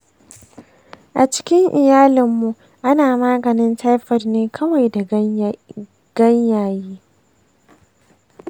a cikin iyalinmu ana maganin taifoid ne kawai da ganyaye.